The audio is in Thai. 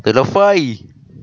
ตื่นแล้วเฟ้ย